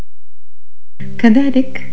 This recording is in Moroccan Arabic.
كذلك